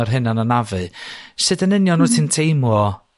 yr hunan anafu sud yn union wt ti'n teimlo